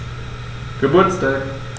Geburtstag